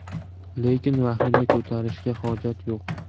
lekin vahima ko'tarishga hojat yo'q